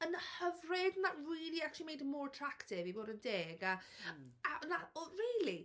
yn hyfryd, and that really actually made him more attractive i bod yn deg a a... na o rili.